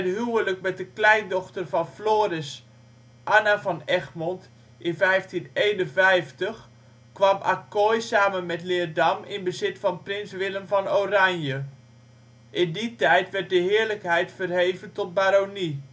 huwelijk met de kleindochter van Floris, Anna van Egmond in 1551 kwam Acquoy samen met Leerdam in bezit van prins Willem van Oranje. In die tijd werd de heerlijkheid verheven tot Baronie